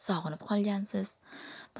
sog'inib qolgansiz